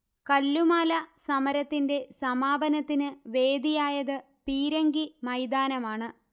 കല്ലുമാല സമരത്തിന്റെ സമാപനത്തിന് വേദിയായത് പീരങ്കി മൈതാനമാണ്